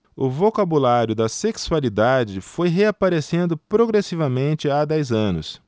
o vocabulário da sexualidade foi reaparecendo progressivamente há dez anos